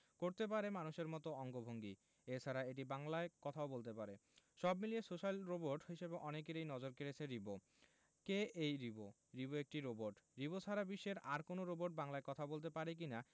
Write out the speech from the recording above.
করতে পারে মানুষের মতো অঙ্গভঙ্গি এছাড়া এটি বাংলায় কথাও বলতে পারে সব মিলিয়ে সোশ্যাল রোবট হিসেবে অনেকেরই নজর কেড়েছে রিবো কে এই রিবো রিবো একটা রোবট রিবো ছাড়া বিশ্বের আর কোনো রোবট বাংলায় কথা বলতে পারে কি না